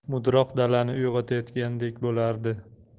mudroq dalani uyg'otayotgandek bo'lardi